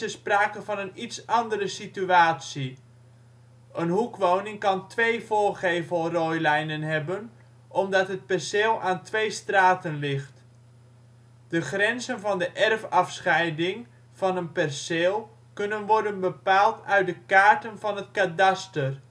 sprake van een iets andere situatie. Een hoekwoning kan twee voorgevelrooilijnen hebben omdat het perceel aan twee straten ligt. De grenzen van de erfafscheiding van een perceel kunnen worden bepaald uit de kaarten van het Kadaster